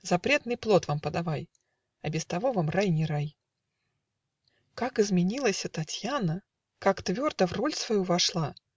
Запретный плод вам подавай: А без того вам рай не рай. Как изменилася Татьяна! Как твердо в роль свою вошла!